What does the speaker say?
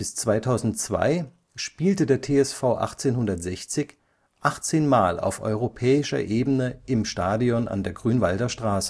2002 spielte der TSV 1860 18 Mal auf europäischer Ebene im Stadion an der Grünwalder Straße